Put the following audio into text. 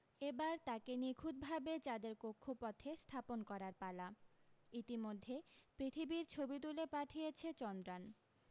এ বার তাকে নিখুঁতভাবে চাঁদের কক্ষপথে স্থাপন করার পালা ইতিমধ্যে পৃথিবীর ছবি তুলে পাঠিয়েছে চন্দ্র্যান